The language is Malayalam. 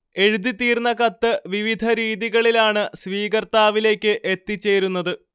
എഴുതിത്തീർന്ന കത്ത് വിവിധ രീതികളിലാണ് സ്വീകർത്താവിലേക്ക് എത്തിച്ചേരുന്നത്